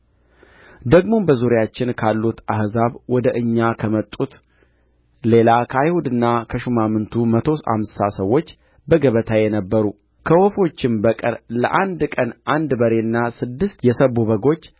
ደግሞም በዙሪያችን ካሉት አሕዛብ ወደ እኛ ከመጡት ሌላ ከአይሁድና ከሹማምቱ መቶ አምሳ ሰዎች በገበታዬ ነበሩ ከወፎችም በቀር ለአንድ ቀን አንድ በሬና ስድስት የሰቡ በጎች